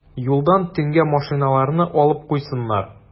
Юлдан төнгә машиналарны алып куйсыннар.